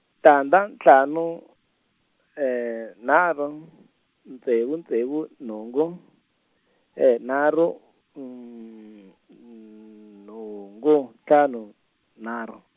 tandza ntlhanu, nharhu ntsevu ntsevu nhungu nharu, nhungu ntlhanu nharhu.